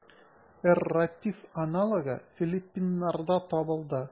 Эрратив аналогы филиппиннарда табылды.